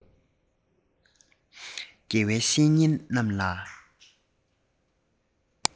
དགེ བའི བཤེས གཉེན རྣམ པ